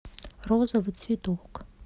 розовый цветок